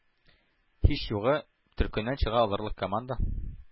Һич югы, төркемнән чыга алырлык команда